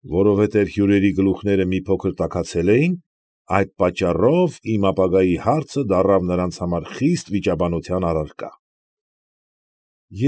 Որովհետև հյուրերի գլուխները մի փոքր տաքացել էին, այս պատճառով իմ ապագայի հարցը դառավ նրանց համար խիստ վիճաբանության առարկա։